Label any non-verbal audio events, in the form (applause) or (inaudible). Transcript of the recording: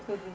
(hesitation) (hesitation)